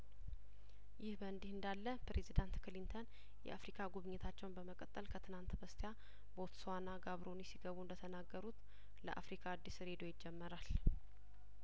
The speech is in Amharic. ይህ በእንዲህ እንዳለ ፕሬዝዳንት ክሊንተን የአፍሪካ ጉብኝታቸውን በመቀጠል ከትንናት በስቲያ ቦትስዋና ጋብ ሮኒ ሲገቡ እንደተናገሩ ለአፍሪካ አዲስ ሬዲዮ ይጀመራል